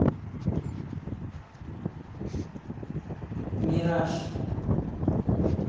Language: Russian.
мираж